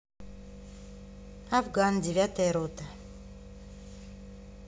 афган девятая рота